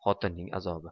xotinning azobi